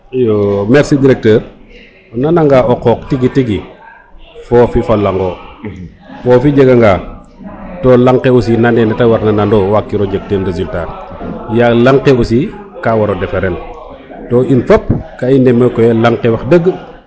iyo merci directeur o nana nga o qoq tigi tigi fofi fo laŋ o fofi jega nga to laŋ ke aussi nande nete war na nano wagiro jeg ten resultat yaal laŋ ke aussi ka waro derarel to in fop ka i laŋ ke wax deg